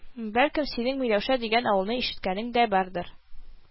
Бәлкем, синең Миләүшә дигән авылны ишеткәнең дә бардыр